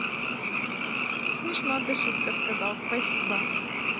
смешно ты шутка сказал спасибо